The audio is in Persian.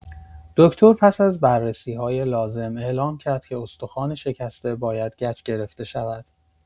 دکتر پس از بررسی‌های لازم اعلام کرد که استخوان شکسته باید گچ گرفته شود.